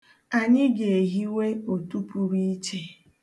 Anyị ga-ehiwe otu pụrụ iche.